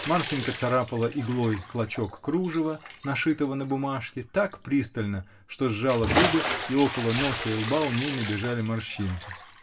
Марфинька царапала иглой клочок кружева, нашитого на бумажке, так пристально, что сжала губы и около носа и лба у ней набежали морщинки.